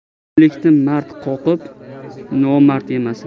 ilikni mard qoqib nomard yemasin